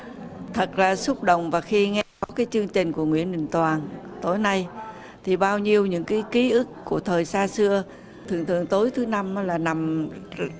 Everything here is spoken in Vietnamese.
thật ra xúc động và khi nghe cái chương trình của nguyễn đình toàn tối nay thì bao nhiêu những ký ký ức của thời xa xưa thường thường tối thứ năm là nằm